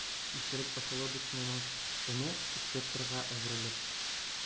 Исерек околодочныйның өне инспекторга әверелеп: